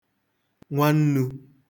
nwannu